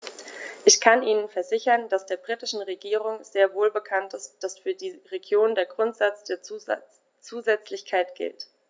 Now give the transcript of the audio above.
Ich kann Ihnen versichern, dass der britischen Regierung sehr wohl bekannt ist, dass für die Regionen der Grundsatz der Zusätzlichkeit gilt.